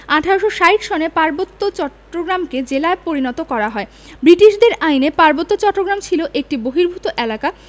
১৮৬০ সনে পার্বত্য চট্টগ্রামকে জেলায় পরিণত করা হয় বৃটিশদের আইনে পার্বত্য চট্টগ্রাম ছিল একটি বহির্ভূত এলাকা